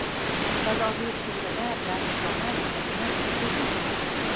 fazoviy hujrada darvishona yashashni o'zim tanlaganman